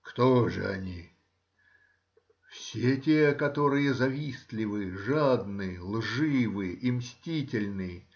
Кто же они?—Все те, которые завистливы, жадны, лживы и мстительны